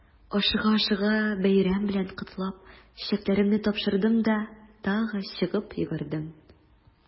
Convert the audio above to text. Ашыга-ашыга бәйрәм белән котлап, чәчәкләремне тапшырдым да тагы чыгып йөгердем.